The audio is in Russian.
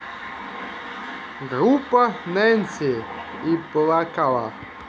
группа нэнси и плакала